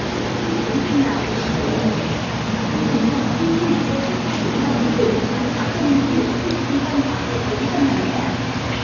thật thú vị đúng không nào hãy cùng theo dõi những video tiếp theo của meow để cùng khám phá thêm những điều thú vị xung quanh hoàng thượng bốn chân này nhé